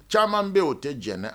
Caman bɛ oo tɛ jɛnɛɛ